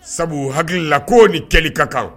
Sabu hakiliki la ko ni celi ka kan